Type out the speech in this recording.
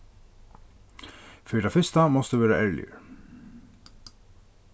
fyri tað fyrsta mást tú vera ærligur